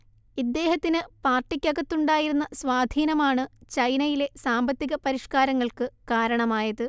ഇദ്ദേഹത്തിന് പാർട്ടിക്കകത്തുണ്ടായിരുന്ന സ്വാധീനമാണ്ചൈനയിലെ സാമ്പത്തിക പരിഷ്കാരങ്ങൾക്ക് കാരണമായത്